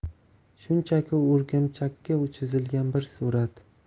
shunchaki o'rgamchikka chizilgan bir surat